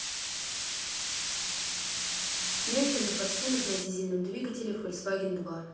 снятие на форсунок на дизельном двигателе фольксваген два